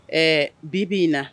Ɛɛ bi b'i na